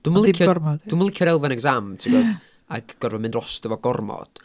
Dwi'n yn licio... dim gormod ia ...Dwi'm yn licio'r elfen exam ti'n gwybod... ia ...a gorfod mynd drosto fo gormod.